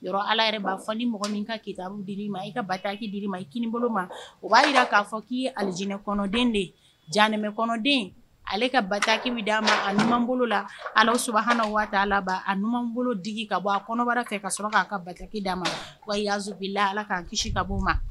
Yɔrɔ ala yɛrɛ b'a fɔ ni mɔgɔ min kan k'ibu di ma i ka bataki di ma i'inin bolo ma o b'a jira k'a fɔ k'i alidinɛ kɔnɔden de janmɛ kɔnɔden ale ka bataki bɛ d'a ma a bolola ala suuna waati laban a ɲuman bolo digi ka bɔ a kɔnɔbara kɛ ka sɔrɔ k'a ka bataki d'a ma wa yaazla ala k'a kisi ka bɔ ma